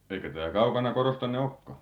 eikä tämä kaukana kodostanne olekaan